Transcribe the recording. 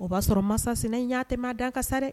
O b'a sɔrɔ mansa sinɛ y'a tɛma a dan kan sa dɛ